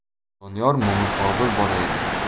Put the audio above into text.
doniyor mo'min qobil bola edi